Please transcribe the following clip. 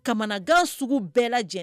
Kamanagan sugu bɛɛ lajɛlen